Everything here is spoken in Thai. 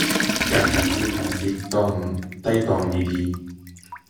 ก็ห้าสิบ ห้าสิบ ต้องไตร่ตรองดีดี